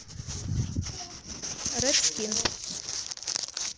ред скин